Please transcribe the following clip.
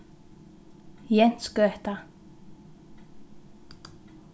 jensgøta